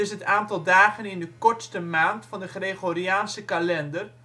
Het aantal dagen in de kortste maand van de Gregoriaanse kalender